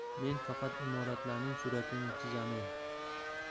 men faqat imoratlarning suratini chizamen